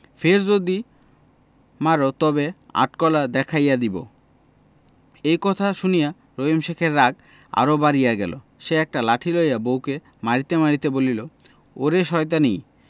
ফের যদি মার তবে আট কলা দেখাইয়া দিব এই কথা শুনিয়া রহিম শেখের রাগ আরও বাড়িয়া গেল সে একটা লাঠি লইয়া বউকে মারিতে মারিতে বলিল ওরে শয়তানী